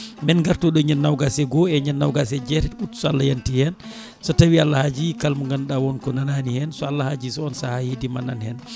men gartoy ɗo ñande nogas e goho e ñande nogas e jeetati août :ra so Allah yanti hen so tawi Allah haaji kalmo ganduɗa wonko nanani hen so Allah haaji so on saaha heedi ma naan hen